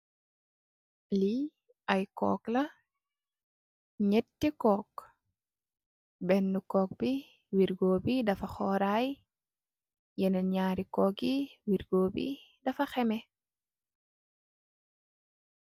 Li ay koog la, ñénti koog. Benna koog bi wirgo bi dafa xoray , yenen ñaari koog yi wirgo bi dafa xemeh.